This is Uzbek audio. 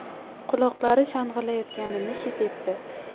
quloqlari shang'illayotganini his etdi